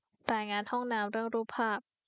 รายงานห้องน้ำเรื่องรูปภาพ